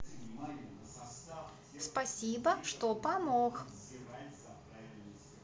спасибо что помог